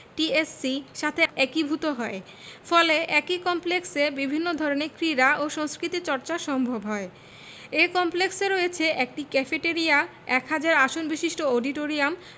TSC সাথে একীভূত হয় ফলে একই কমপ্লেক্সে বিভিন্ন ধরনের ক্রীড়া ও সংস্কৃতি চর্চা সম্ভব হয় এ কমপ্লেক্সে রয়েছে একটি ক্যাফেটরিয়া এক হাজার আসনবিশিষ্ট অডিটোরিয়াম